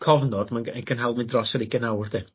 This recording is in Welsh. cofnod ma'n g- igon hawdd mynd dros yr ugen awr 'di?